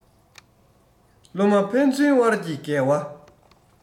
སློབ མ ཕན ཚུན དབར གྱི འགལ བ